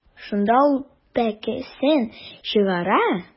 Шунда ул пәкесен чыгара.